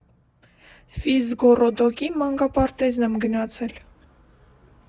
Ֆիզգոռոդոկի մանկապարտեզն եմ գնացել.